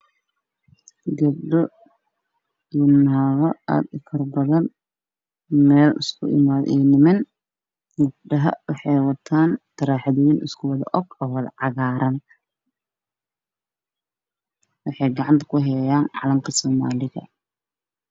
Waa meel bannaan waxaa iskugu imaaday gabdho iyo maamooyin waaweyn oo fara badan waxa ay kor u taagan in calanka soomaaliyaWaa meel bannaan waxaa iskugu imaaday gabdho iyo maamooyin waaweyn oo fara badan waxa ay kor u taagan in calanka soomaaliya